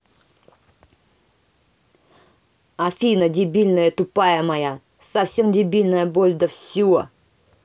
афина дебильная тупая моя совсем дебильная боль да все